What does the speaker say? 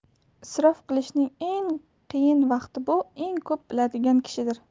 isrof qilishning eng qiyin vaqti bu eng ko'p biladigan kishidir i